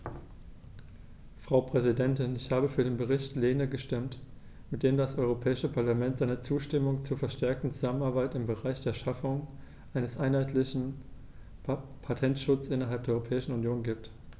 Frau Präsidentin, ich habe für den Bericht Lehne gestimmt, mit dem das Europäische Parlament seine Zustimmung zur verstärkten Zusammenarbeit im Bereich der Schaffung eines einheitlichen Patentschutzes innerhalb der Europäischen Union gibt.